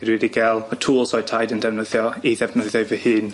Rwi 'di ga'l y tŵls oedd taid yn defnyddio i ddefnyddio fy hun.